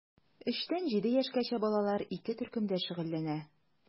3 тән 7 яшькәчә балалар ике төркемдә шөгыльләнә.